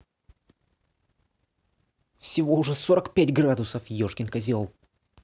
всего уже сорок пять градусов ешкин козел